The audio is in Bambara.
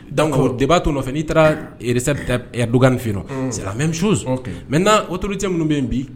Dan de b'a to nɔfɛ n'i taara dukaninfin sira mɛ misi mɛ na otouru cɛ minnu bɛ yen bi